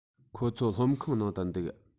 ཁོ ཚོ སློབ ཁང ནང དུ འདུག